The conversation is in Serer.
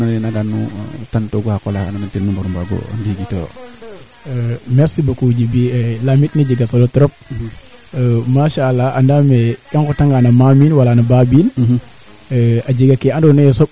en generale mbaan faa kaa changer keel a fi tel areer mee ando naye dena moƴu may keede mbiya ɓasi ten refu manaam xa caca xene ando naye ga'aam de mbaata yo den meene and naye kaa yaaco sandik o toubab a leyane sol argileux